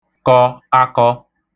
kọ (akọ)